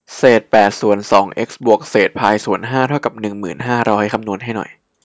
เศษแปดส่วนสองเอ็กซ์บวกเศษพายส่วนห้าเท่ากับหนึ่งหมื่นห้าร้อยคำนวณให้หน่อย